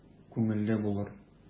Күңеле булыр...